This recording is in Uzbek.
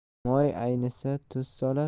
moy aynisa tuz solar